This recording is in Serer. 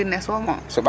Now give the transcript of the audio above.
pour mbind ne soom